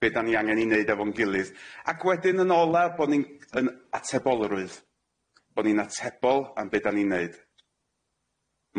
be' 'dan ni angen 'i neud efo'n gilydd. Ac wedyn yn ola bo ni'n yn atebolrwydd, bo ni'n atebol am be' 'dan ni'n neud.